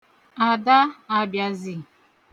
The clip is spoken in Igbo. Ada abịazi?